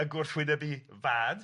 Y gwrthwyneb i fad.